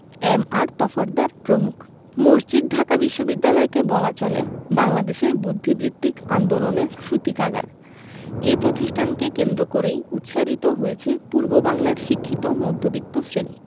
M R Tarafdar প্রমুখ মসজিদ ঢাকা বিশ্ববিদ্যালয়কে বলা চলে বাংলাদেশের বুদ্ধিবৃত্তিক আন্দোলনের সূতিকাগার এ প্রতিষ্ঠানকে কেন্দ্র করেই উৎসারিত হয়েছে পূর্ববাংলার শিক্ষিত মধ্যবিত্ত শ্রেণি